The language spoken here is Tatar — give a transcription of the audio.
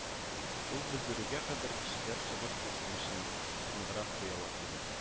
Ул белдерүгә кадәр кешеләр сугыш куркынычын ныграк тоялар иде